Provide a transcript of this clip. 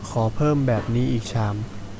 ขอเพิ่มแบบนี้อีกชาม